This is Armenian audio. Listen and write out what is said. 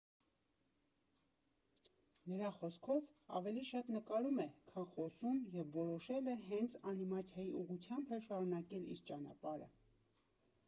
Նրա խոսքով՝ ավելի շատ նկարում է, քան խոսում և որոշել է հենց անիմացիայի ուղղությամբ էլ շարունակել իր ճանապարհը։